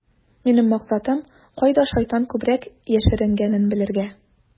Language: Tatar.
Минем максатым - кайда шайтан күбрәк яшеренгәнен белергә.